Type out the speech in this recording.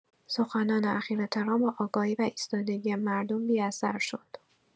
سخنان اخیر ترامپ با آگاهی و ایستادگی مردم بی‌اثر شد.